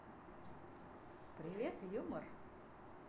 привет юмор